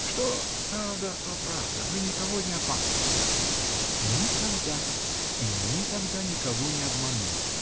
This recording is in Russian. -- Что правда, то правда, вы никого не обманываете. -- Никогда! И никогда никого не обману.